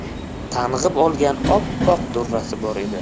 tang'ib olgan oppoq durrasi bor edi